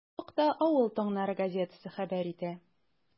Бу хакта “Авыл таңнары” газетасы хәбәр итә.